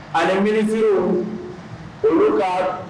A miiririti i taa